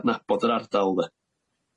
adnabod yr ardal ynde?